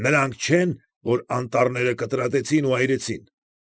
Նրանք չե՞ն, որ անտառները կտրատեցին ու այրեցին։